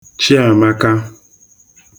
Chiàmaka